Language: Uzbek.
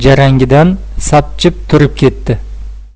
jarangidan sapchib turib ketdi